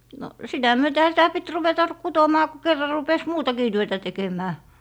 no sitä myötenhän sitä piti ruveta kutomaan kun kerran rupesi muutakin työtä tekemään